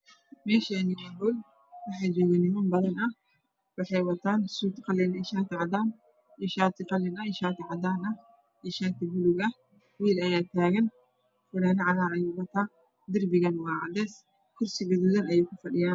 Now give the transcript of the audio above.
Meeshani waa hool waxaa. Joga niman badan ah waxay wataan sud qalin ah shaati cadaan ah iyo shaati qalin iyo shaati cadaan iyo shaati bulug ah.wii ayaa tagan funanad cagaar ayuu wataa darbiga waa cadays kuris gududan ayuuu kufadhiyaa